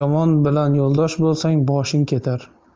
yomon bilan yo'ldosh bo'lsang boshing ketar